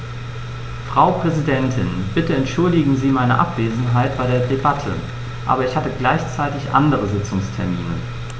Frau Präsidentin, bitte entschuldigen Sie meine Abwesenheit bei der Debatte, aber ich hatte gleichzeitig andere Sitzungstermine.